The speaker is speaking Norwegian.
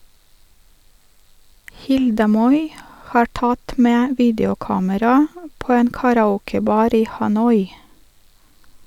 Hilde Moi har tatt med videokamera på en karaokebar i Hanoi.